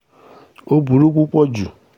Ó burú púpọ̀ ju.